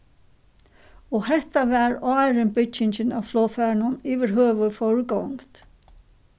og hetta var áðrenn byggingin av flogfarinum yvirhøvur fór í gongd